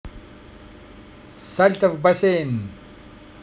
сальто в бассейн